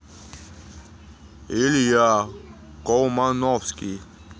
илья колмановский